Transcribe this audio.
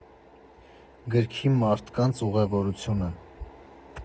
Գրքի մարդկանց ուղևորությունը։